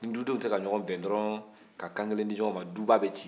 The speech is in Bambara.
nin dudenw tɛka jɔgɔn bɛn dɔrɔn ka kan kelen di ɲɔgɔn ma duba bɛ ci